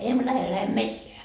emme lähde lähdemme metsään